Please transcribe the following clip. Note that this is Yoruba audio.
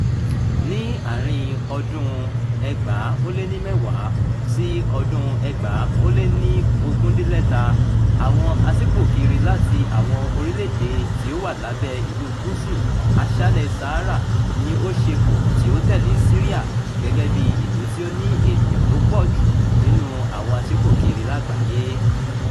Ni àárín-n ọdún-un 2010-2017, àwọn aṣípòkiri láti àwọn orílẹ̀-èdè tí ó wà lábẹ́ Ìlú Gúúsù Aṣálẹ̀ Sahara ni ó ṣepò tí ó tẹ̀lé Syria gẹ́gẹ́ bí ìlú tí ó ní ènìyàn tó pọ̀ jù nínú àwọn aṣípòkiri lágbàáyé.